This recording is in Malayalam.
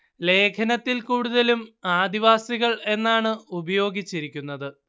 ലേഖനത്തിൽ കൂടുതലും ആദിവാസികൾ എന്നാണ് ഉപയോഗിച്ചിരിക്കുന്നത്